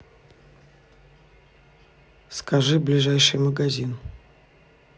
скажи ближайший магазин